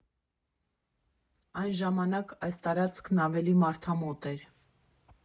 Այն ժամանակ այս տարածքն ավելի մարդամոտ էր։